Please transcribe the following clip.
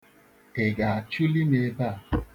Ị ga-achụli m ebe a?